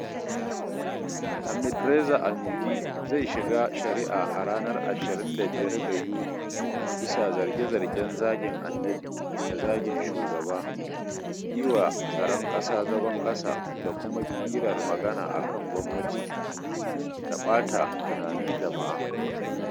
Hamidreza Amini zai shiga shari’a a ranar 25 ga Yuni bisa zarge-zargen “zagin annabi,” da “zagin shugaba,” “yi wa tsaron ƙasa zagon ƙasa,” da kuma “ƙirar magana akan gwamnati,” da “ɓata tunanin jama’a.”